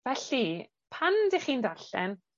Felly, pan dych chi'n darllen